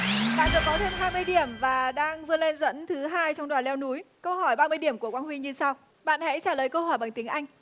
được có thêm hai mươi điểm và đang vươn lên dẫn thứ hai trong đoàn leo núi câu hỏi ba mươi điểm của quang huy như sau bạn hãy trả lời câu hỏi bằng tiếng anh